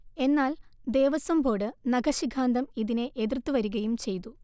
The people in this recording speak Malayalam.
എന്നാൽ, ദേവസ്വം ബോർഡ് നഖശിഖാന്തം ഇതിനെ എതിർത്തു വരികയും ചെയ്തു